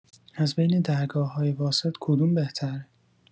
از بین درگاه‌های واسط کدوم بهتر؟